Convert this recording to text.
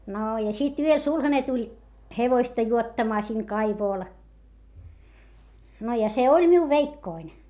no ja sitten yöllä sulhanen tuli hevosta juottamaan siihen kaivolle no ja se oli minun veikkoni